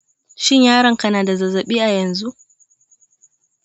shin yaronka na da zazzaɓi a yanzu?